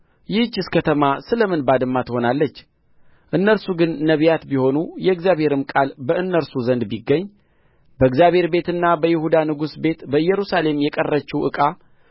ይህችስ ከተማ ስለ ምን ባድማ ትሆናለች እነርሱ ግን ነቢያት ቢሆኑ የእግዚአብሔርም ቃል በእነርሱ ዘንድ ቢገኝ በእግዚአብሔር ቤትና በይሁዳ ንጉሥ ቤት በኢየሩሳሌምም የቀረችው ዕቃ